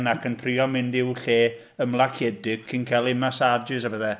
Ac yn trio mynd i'w lle ymlaciedig cyn cael eu massages a bethau.